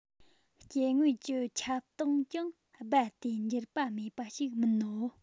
སྐྱེ དངོས ཀྱི ཁྱབ སྟངས ཀྱང རྦད དེ འགྱུར པ མེད པ ཞིག མིན ནོ